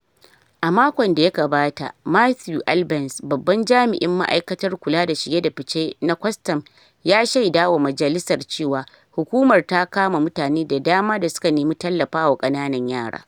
A makon da ya gabata, Matthew Albence, babban jami'in ma'aikatar kula da Shige da fice da kwastam, ya shaida wa majalisar cewa, hukumar ta kama mutane da dama da suka nemi tallafa wa kananan yara.